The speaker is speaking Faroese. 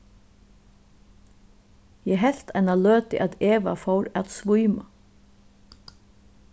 eg helt eina løtu at eva fór at svíma